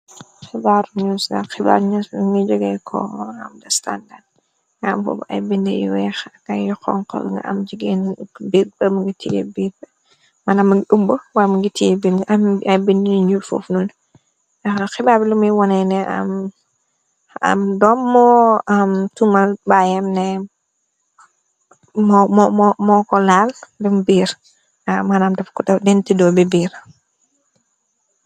Xibar news da xibaar ñu lu ngi joge ko am da stàndan nga am foob ay bind yi weex ak a yu xonkol nga am jigeen uk big bam ngi tiye biir mënam ni umb wàm ngi tiyebi ay bindñ njur foofnoon ax xibaarbi lumiy wone ne am dom moo am tumal bàyem ne moo ko laal lum biir mënm dafa ko adenti doo be biir.